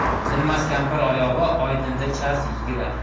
tinmas kampir oyog'i oydinda chars yigirar